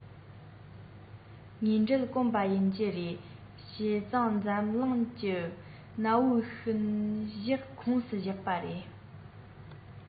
དངོས འབྲེལ དཀོན པོ ཡིན གྱི རེད བྱས ཙང འཛམ གླིང གི གནའ བོའི ཤུལ བཞག ཁོངས སུ བཞག པ རེད